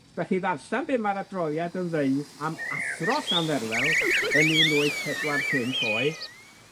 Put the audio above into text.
felly ddarllan be' ma'r adroddiad yn ddeud am athro Llandderfel yn un wyth pedwar pump oedd,